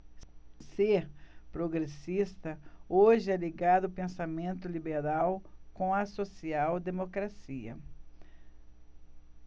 ser progressista hoje é ligar o pensamento liberal com a social democracia